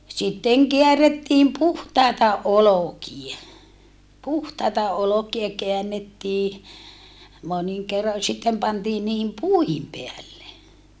sitten käärittiin puhtaita olkia puhtaita olkia käännettiin monin kerroin ja sitten pantiin niiden puiden päälle